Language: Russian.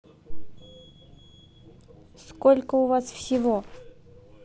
сколько у вас всего